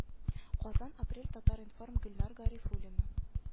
Казан апрель татар-информ гөлнар гарифуллина